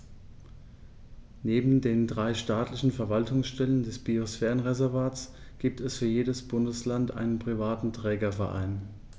Neben den drei staatlichen Verwaltungsstellen des Biosphärenreservates gibt es für jedes Bundesland einen privaten Trägerverein.